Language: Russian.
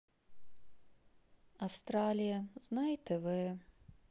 австралия знай тв